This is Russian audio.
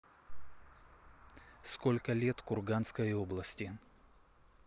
сколько лет курганской области